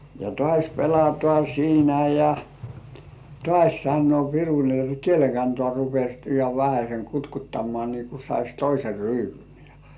ja taas pelataan siinä ja taas sanoo piru niin jotta kielen kantaa rupesi ihan vähäsen kutkuttamaan niin kuin saisi toisen ryypyn ja